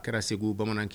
A kɛra segu bamanan kɛ